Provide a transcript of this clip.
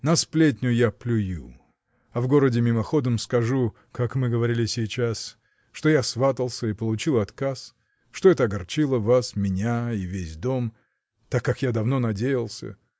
На сплетню я плюю, а в городе мимоходом скажу, как мы говорили сейчас, что я сватался и получил отказ, что это огорчило вас, меня и весь дом. так как я давно надеялся.